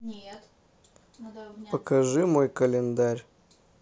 покажи мой календарь